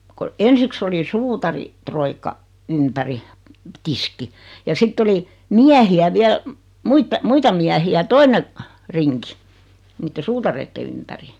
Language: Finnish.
kun ensiksi oli - suutaritroikka ympäri tiskin ja sitten oli miehiä vielä muita muita miehiä toinen rinki niiden suutareiden ympäri